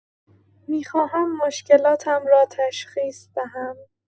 می‌خواهم مشکلاتم را تشخیص دهم.